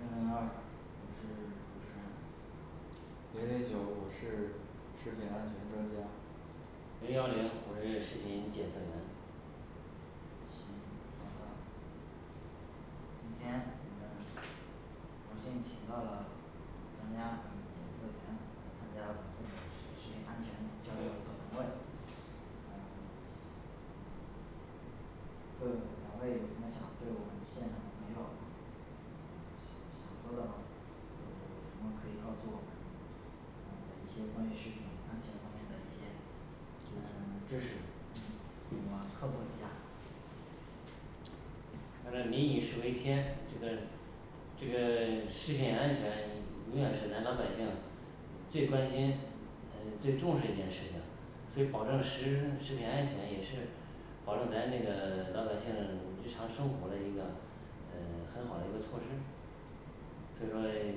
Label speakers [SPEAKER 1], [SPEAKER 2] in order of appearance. [SPEAKER 1] 零零二我是主持人
[SPEAKER 2] 零零九我是食品安全专家
[SPEAKER 3] 零幺零我是食品检测员
[SPEAKER 1] 行。好的今天我们荣幸请到了专家，我们也特意安排了参加本次的食食品安全交流座谈会嗯 各两位有什么想对我们现场的朋友 想说的吗？有什么可以告诉我们嗯的一些关于食品安全方面的一些嗯 知识。给我科普一下，
[SPEAKER 3] 民以食为天，这个这个 食品安全永远是咱老百姓你最关心呃最重视一件事情，所以保证食食品安全也是保证咱这个老百姓日常生活的一个呃很好的一个措施。所以说诶